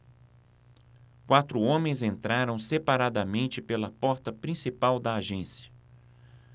quatro homens entraram separadamente pela porta principal da agência